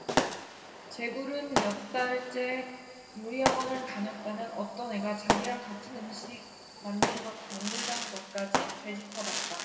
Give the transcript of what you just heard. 제굴은 몇 달째 요리 학원 다녔다는 어떤 애가 자기랑 같은 음식 만들던 것까지 되짚어봤다